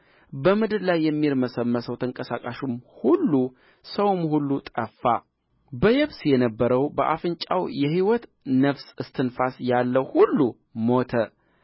በምድር ላይ የሚርመሰመሰው ተንቀሳቃሹም ሁሉ ሰውም ሁሉ ጠፋ በየብስ የነበረው በአፍንጫው የሕይወት ነፍስ እስትንፋስ ያለው ሁሉ ሞተ